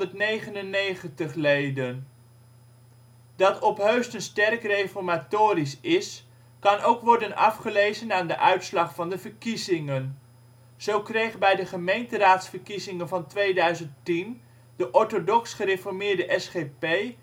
Gemeente (1899 leden). Dat Opheusden sterk reformatorisch is, kan ook worden afgelezen aan de uitslag van de verkiezingen. Zo kreeg bij de gemeenteraadsverkiezingen van 2010 de orthodox-gereformeerde SGP 33,5 %